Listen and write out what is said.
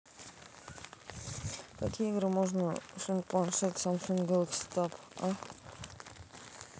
какие игры можно сунуть планшет samsung galaxy tab a